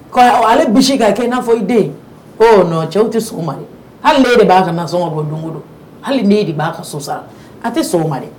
Ale basi ka kɛ i n'a fɔ i den nɔn cɛw tɛ hali de b'a ka nasɔn bɔ don don hali ne de b'a ka sosa a tɛ sɔgɔma